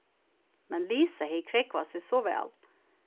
men lisa hevði krógvað seg so væl